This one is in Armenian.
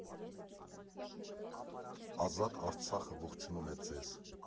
Ազատ Արցախը ողջունում է ձեզ։